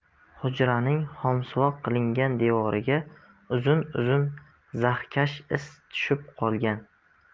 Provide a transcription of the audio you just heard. hujraning xomsuvoq qilingan devoriga uzun uzun zahkash iz tushib qolgan